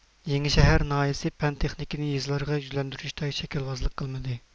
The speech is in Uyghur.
تىزگىنلەش تەدبىرىنى مۇشۇ نىزامدىكى بەلگىلىمە بويىچە ۋاقتىدا قوللانمىغانلار جازالىنىدۇ